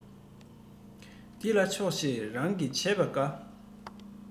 འདི ལ ཆོག ཤེས རང གིས བྱས པ དགའ